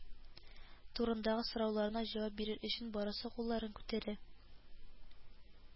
Турындагы сорауларына җавап бирер өчен барысы кулларын күтәрә